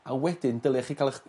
a wedyn dylia chi ca'l 'ych